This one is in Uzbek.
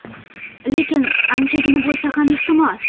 lekin anchagina bo'lsa ham ehtimol